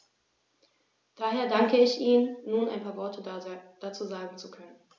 Daher danke ich Ihnen, nun ein paar Worte dazu sagen zu können.